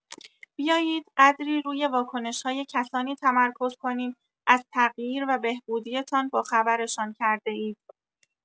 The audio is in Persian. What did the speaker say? بیایید قدری روی واکنش‌های کسانی تمرکز کنیم از تغییر و بهبودی‌تان باخبرشان کرده‌اید.